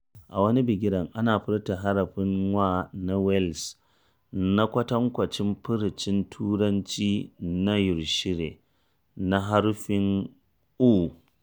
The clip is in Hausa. A wannan bigiren, ana furta harafin w na Welsh ne kwatankwacin furucin Turanci na Yorshire na harafin u.